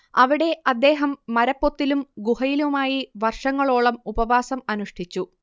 അവിടെ അദ്ദേഹം മരപ്പൊത്തിലും ഗുഹയിലുമായി വർഷങ്ങളോളം ഉപവാസം അനുഷ്ഠിച്ചു